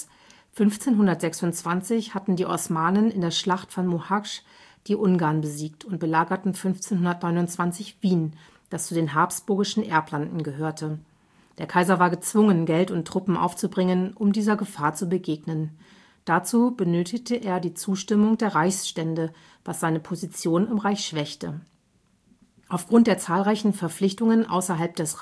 1526 hatten die Osmanen in der Schlacht von Mohács die Ungarn besiegt und belagerten 1529 Wien, das zu den habsburgischen Erblanden gehörte. Der Kaiser war gezwungen, Geld und Truppen aufzubringen, um dieser Gefahr zu begegnen. Dazu benötigte er die Zustimmung der Reichsstände, was seine Position im Reich schwächte. Aufgrund der zahlreichen Verpflichtungen außerhalb des